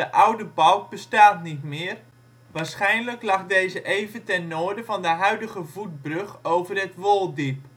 oude balk bestaat niet meer. Waarschijnlijk lag deze even ten noorden van de huidige voetbrug over het Wolddiep